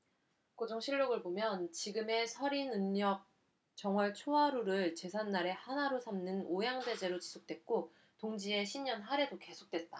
고종실록 을 보면 지금의 설인 음력 정월초하루를 제삿날의 하나로 삼는 오향대제도 지속됐고 동지의 신년하례도 계속됐다